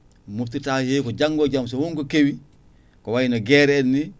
moftirta ko hewi janggo e jaam so wonko kewi ko wayno guerre en ni